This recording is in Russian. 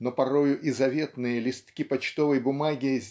но порою и заветные листки почтовой бумаги